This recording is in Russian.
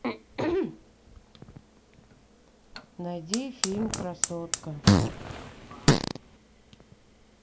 найди фильм красотка